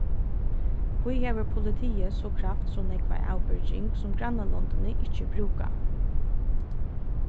hví hevur politiið so kravt so nógva avbyrging sum grannalondini ikki brúka